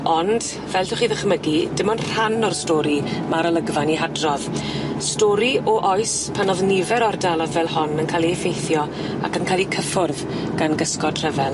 ond, fel 'llwch chi ddychmygu, dim ond rhan o'r stori ma'r olygfa'n 'i hadrodd stori o oes pan o'dd nifer o ardalodd fel hon yn ca'l 'u effeithio ac yn ca'l 'u cyffwrdd gan gysgod rhyfel.